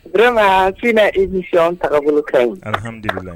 Tilefininɛ i ni sɔn farikolo kɛ